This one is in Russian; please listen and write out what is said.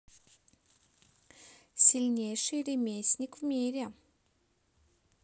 сильнейший ремесник в мире